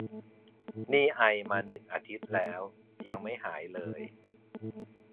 นี่ไอมาหนึ่งอาทิตย์แล้วยังไม่หายเลย